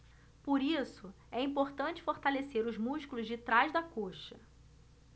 por isso é importante fortalecer os músculos de trás da coxa